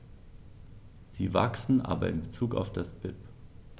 Sie wachsen, aber in bezug auf das BIP.